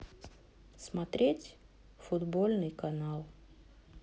смотреть футбольный канал